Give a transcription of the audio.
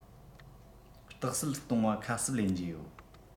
རྟགས གསལ གཏོང བ ཁ གསབ ལེན རྒྱུ ཡོད